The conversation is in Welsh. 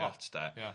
...lot de. Ia.